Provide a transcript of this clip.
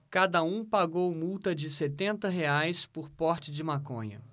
cada um pagou multa de setenta reais por porte de maconha